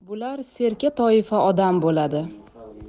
bular serka toifa odam bo'ladi